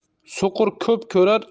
so'qir ko'p ko'rar